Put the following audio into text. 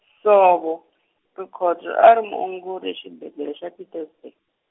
Nsovo, Rikhotso a ri muongori exibedlele xa Pietersbur-.